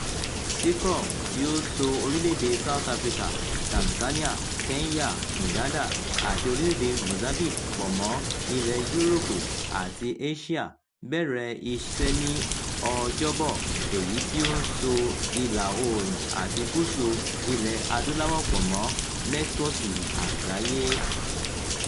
Seacom, tí ó so orílẹ̀ èdè South Africa, Tanzania, Kenya, Uganda àti orílẹ̀ èdè Mozambique pọ̀ mọ́ Ilẹ̀ Yúróòpù àti Éṣíà, bẹ̀rẹ̀ iṣẹ́ ní Ọjọ́bọ̀, èyí tí ó ń so ìlà oòrùn àti gúúsù Ilẹ̀ Adúláwò pọ̀ mọ́ nẹ́tíwọ́ọ̀kì àgbáyé.